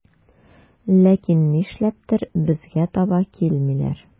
Ләкин нишләптер безгә таба килмиләр.